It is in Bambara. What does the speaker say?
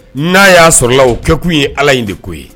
N'a y'a sɔrɔla la o kɛkun ye ala in de ko ye